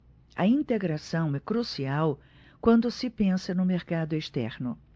a integração é crucial quando se pensa no mercado externo